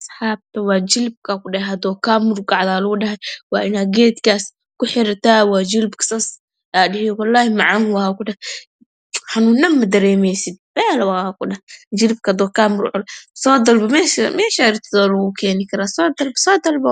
Asxbta jilibka hadu ka murgacdo waa inaad ged kaas ku xirata jilibka hadad sas dhihi wesay wallaahi waa mcn xanun dhan madaremesid hadu jilibka ka murgacdo so dalbo mesha jogtit walakugu kena